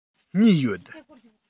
གཉིས ཡོད